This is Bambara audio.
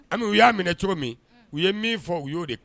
Ami u y'a minɛ cogo min u ye min fɔ u y'o de